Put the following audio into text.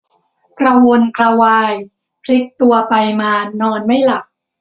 กระวนกระวายพลิกตัวไปมานอนไม่หลับ